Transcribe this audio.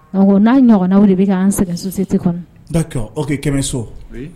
N'a ɲɔgɔnnaw de bɛ'an sɛgɛn sotete kɔnɔ kɛmɛ so